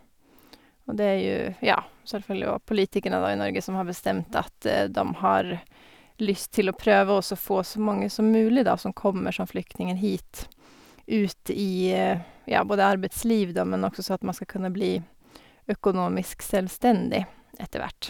Og det er jo, ja, selvfølgelig òg politikerne, da, i Norge, som har bestemt at dem har lyst til å prøve å så få så mange som mulig, da, som kommer som flyktninger hit, ut i, ja, både arbeidsliv, da, men også så at man skal kunne bli økonomisk selvstendig etter hvert.